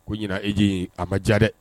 Ko ɲin e j a ma diya dɛ